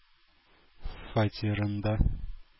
Фатирында